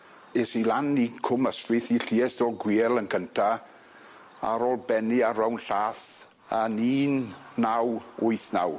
Es i lan i Cwm Ystwyth i Lluestol Gwiel yn cynta ar ôl benni ar rownd Llath yn un naw wyth naw.